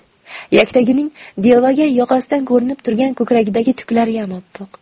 yaktagining delvagay yoqasidan ko'rinib turgan ko'kragidagi tuklariyam oppoq